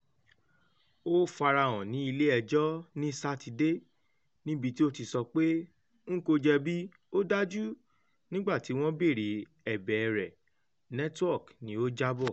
Ó farahàn ní ilé- ẹjọ́ ní Sátidé, níbi tí ó ti sọ pé "n kò jẹ̀bi,ó dájú" nígbà tí wọn bèèrè ẹ̀bẹ̀ rẹ, network ni ó jábọ̀